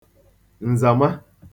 ǹzàma